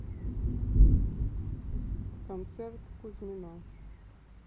концерт кузьмина